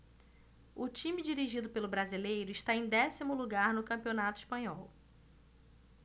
o time dirigido pelo brasileiro está em décimo lugar no campeonato espanhol